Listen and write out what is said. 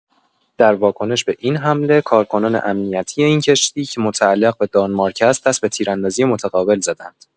در واکنش به این حمله کارکنان امنیتی این کشتی که متعلق به دانمارک است دست به تیراندازی متقابل زدند.